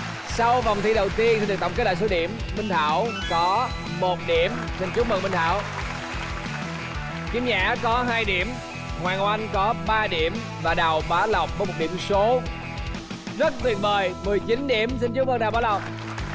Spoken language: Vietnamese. sau vòng thi đầu tiên xin được tổng lại số điểm minh thảo có một điểm xin chúc mừng minh thảo kim nhã có hai điểm hoàng oanh có ba điểm và đào bá lộc có một điểm số rất tuyệt vời mười chín điểm xin chúc mừng đào bá lộc